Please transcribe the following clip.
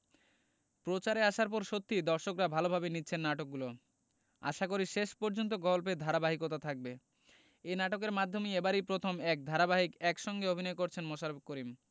প্রচারে আসার পর সত্যিই দর্শকরা ভালোভাবে নিচ্ছেন নাটকগুলো আশাকরি শেষ পর্যন্ত গল্পের ধারাবাহিকতা থাকবে এ নাটকের মাধ্যমেই এবারই প্রথম এক ধারাবাহিক একসঙ্গে অভিনয় করছেন মোশাররফ করিম